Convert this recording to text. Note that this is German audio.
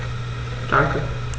Danke.